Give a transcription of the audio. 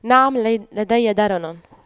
نعم لي لدي درن